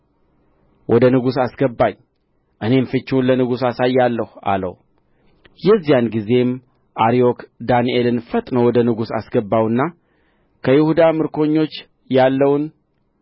ወደ ንጉሡ አስገባኝ እኔም ፍቺውን ለንጉሡ አሳያለሁ አለው የዚያን ጊዜም አርዮክ ዳንኤልን ፈጥኖ ወደ ንጉሡ አስገባውና ከይሁዳ ምርኮኞች ያለውን